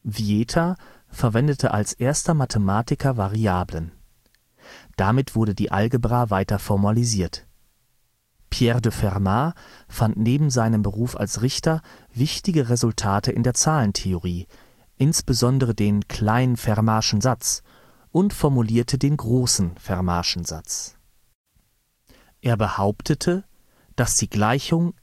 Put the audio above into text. Vieta verwendete als erster Mathematiker Variablen. Damit wurde die Algebra weiter formalisiert. Pierre de Fermat fand neben seinem Beruf als Richter wichtige Resultate in der Zahlentheorie, insbesondere den „ kleinen Fermatschen Satz “und formulierte den „ großen Fermatschen Satz “. Er behauptete, dass die Gleichung